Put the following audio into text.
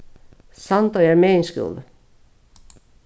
sandoyar meginskúli